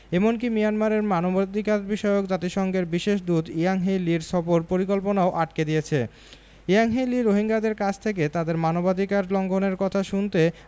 এমনকি মিয়ানমারে মানবাধিকারবিষয়ক জাতিসংঘের বিশেষ দূত ইয়াংহি লির সফর পরিকল্পনাও আটকে দিয়েছে ইয়াংহি লি রোহিঙ্গাদের কাছ থেকে তাদের মানবাধিকার লঙ্ঘনের কথা শুনতে